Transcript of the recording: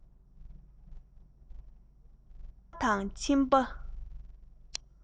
དོན ལྔ སྣོད དྲུག ཡོད ཚད མཐོང བྱུང